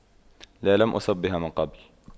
لا لم أصب بها من قبل